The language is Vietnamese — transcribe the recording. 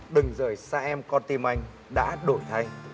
đừng rời xa em con tim anh đã đổi thay